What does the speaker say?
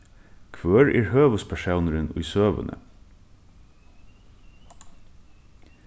hvør er høvuðspersónurin í søguni